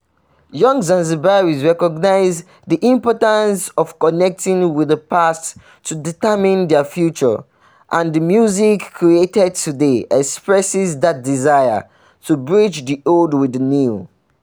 Young Zanzibaris recognize the importance of connecting with the past to determine their future and the music created today expresses that desire to bridge the old with the new.